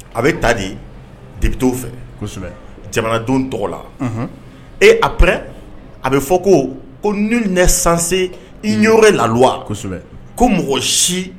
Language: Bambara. A bɛ ta de depute w fɛ kosɛbɛ jamanadenw tɔgɔla unhun et après a bɛ fɔ koo ko nulle n'est censé ignorer la loi kosɛbɛ ko mɔgɔ si